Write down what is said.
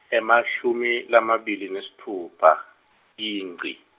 emashumi, lamabili nesitfupha, Ingci.